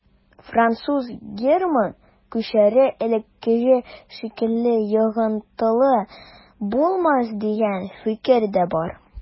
Француз-герман күчәре элеккеге шикелле йогынтылы булмас дигән фикер дә бар.